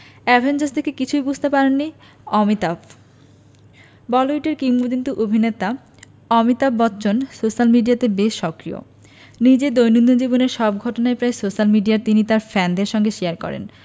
Avengers দেখে কিছুই বুঝতে পারেননি অমিতাভ বলিউডের কিংবদন্তী অভিনেতা অমিতাভ বচ্চন সোশ্যাল মিডিয়াতে বেশ সক্রিয় নিজের দৈনন্দিন জীবনের সব ঘটনাই প্রায় সোশ্যাল মিডিয়ায় তিনি তার ফ্যানেদের সঙ্গে শেয়ার করেন